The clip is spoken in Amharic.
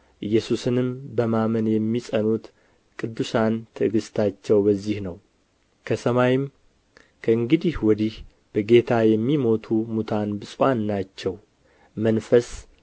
ኢየሱስንም በማመን የሚጸኑት ቅዱሳን ትዕግሥታቸው በዚህ ነው ከሰማይም ከእንግዲህ ወዲህ በጌታ የሚሞቱ ሙታን ብፁዓን ናቸው መንፈስ